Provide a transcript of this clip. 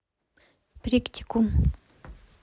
приктикум